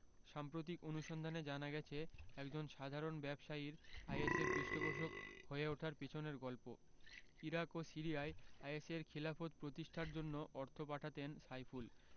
সাম্প্রতিক অনুসন্ধানে জানা গেছে একজন সাধারণ ব্যবসায়ীর আইএসের পৃষ্ঠপোষক হয়ে ওঠার পেছনের গল্প ইরাক ও সিরিয়ায় আইএসের খিলাফত প্রতিষ্ঠার জন্য অর্থ পাঠাতেন সাইফুল